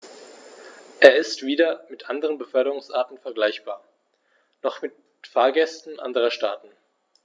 Er ist weder mit anderen Beförderungsarten vergleichbar, noch mit Fahrgästen anderer Staaten.